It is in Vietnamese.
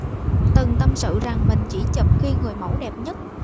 từng tâm sự rằng mình chỉ chụp khi người mẫu đẹp nhất